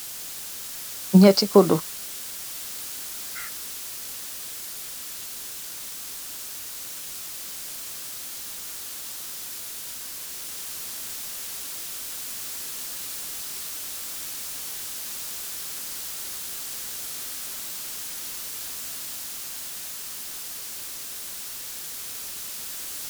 Nyehtt kuuduu bunyew jehfan deh ko ce birr keer, morm muna yehgal ak lehka.